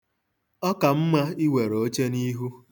Ọ ka mma iwere oche n'ihu.